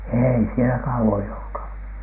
ei siellä kauan joutunut